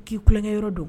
K'i tulonkɛyɔrɔ don